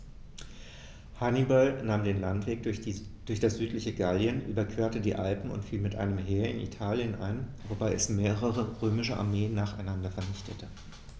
Hannibal nahm den Landweg durch das südliche Gallien, überquerte die Alpen und fiel mit einem Heer in Italien ein, wobei er mehrere römische Armeen nacheinander vernichtete.